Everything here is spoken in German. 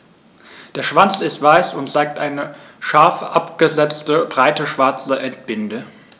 Der Schwanz ist weiß und zeigt eine scharf abgesetzte, breite schwarze Endbinde.